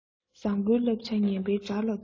བཟང པོའི བསླབ བྱ ངན པའི དགྲ ལ འགྲོ